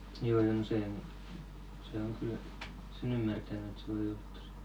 juu juu no sehän on se on kyllä sen ymmärtää että se voi olla tosi